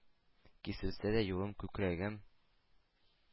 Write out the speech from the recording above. Киселсә дә юлым; күкрәгем